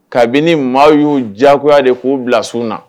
Kabini maa y'u diyagoya de k'u bilas na